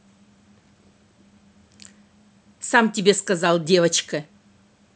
сам тебе сказал девочка